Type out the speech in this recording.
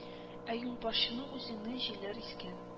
Ә юлбашчының үзеннен җилләр искән